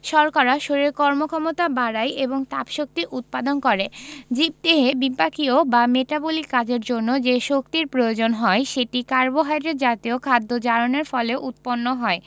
শর্করা শরীরের কর্মক্ষমতা বাড়ায় এবং তাপশক্তি উৎপাদন করে জীবদেহে বিপাকীয় বা মেটাবলিক কাজের জন্য যে শক্তির প্রয়োজন হয় সেটি কার্বোহাইড্রেট জাতীয় খাদ্য জারণের ফলে উৎপন্ন হয়